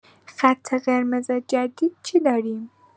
خط قرمز جدید چی داریم؟